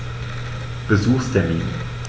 Besuchstermin